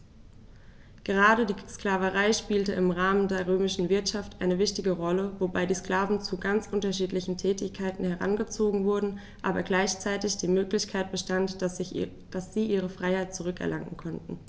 Gerade die Sklaverei spielte im Rahmen der römischen Wirtschaft eine wichtige Rolle, wobei die Sklaven zu ganz unterschiedlichen Tätigkeiten herangezogen wurden, aber gleichzeitig die Möglichkeit bestand, dass sie ihre Freiheit zurück erlangen konnten.